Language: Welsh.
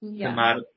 Ia. Dyma'r